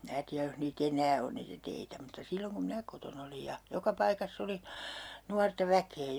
minä tiedä jos niitä enää on niitä teitä mutta silloin kun minä kotona olin ja joka paikassa oli nuorta väkeä